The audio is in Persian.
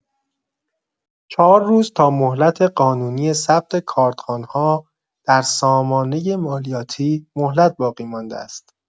۴ روز تا مهلت قانونی ثبت کارتخوان‌ها در سامانه مالیاتی مهلت باقی‌مانده است.